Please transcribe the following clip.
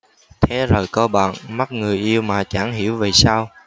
thế rồi cô bạn mất người yêu mà chẳng hiểu vì sao